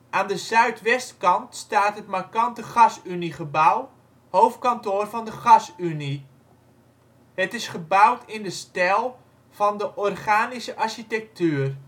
Aan de zuid-west kant staat het markante Gasuniegebouw, hoofdkantoor van de Gasunie. Het is gebouwd in de stijl van de organische architectuur